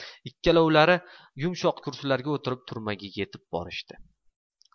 ikkalovlari yumshoq kursilarda o'tirib turmaga yetib borishdi